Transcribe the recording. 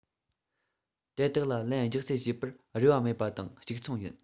དེ དག ལ ལན རྒྱག རྩིས བྱས པར རེ བ མེད པ དང གཅིག མཚུངས ཡིན